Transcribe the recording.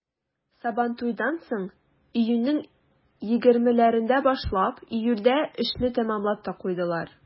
Сабантуйдан соң, июньнең 20-ләрендә башлап, июльдә эшне тәмамлап та куйдылар.